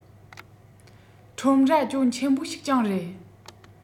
ཁྲོམ ར ཅུང ཆེན པོ ཞིག ཀྱང རེད